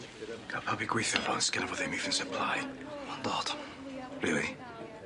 Gal pawb i gweithio i fo on' sgenno fo ddim even supply. Ma'n dod. Rili?